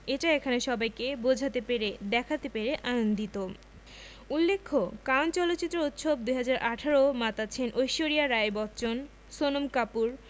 এটা এখানে সবাইকে বোঝাতে পেরে দেখাতে পেরে আনন্দিত উল্লেখ্য কান চলচ্চিত্র উৎসব ২০১৮ মাতাচ্ছেন ঐশ্বরিয়া রাই বচ্চন সোনম কাপুর